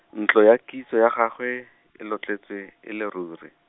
ntlo ya kitso ya gagwe, e lotletswe, e le rure.